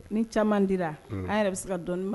Ni caman dira an yɛrɛ bɛ se ka dɔɔnin